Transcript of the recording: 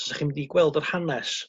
os 'da chi'n mynd i gweld yr hanes